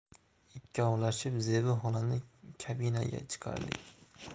ikkovlashib zebi xolani kabinaga chiqardik